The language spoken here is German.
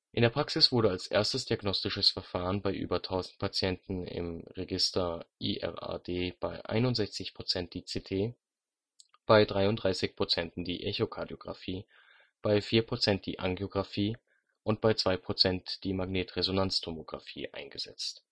der Praxis wurde als erstes diagnostisches Verfahren bei über 1000 Patienten im Register IRAD bei 61 % die CT, bei 33 % die Echokardiografie (TTE und TEE), bei 4 % die Angiografie und bei 2 % die MRT eingesetzt